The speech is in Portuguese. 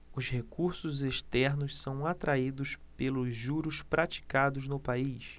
os recursos externos são atraídos pelos juros praticados no país